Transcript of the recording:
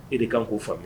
E de kan k koo faamuya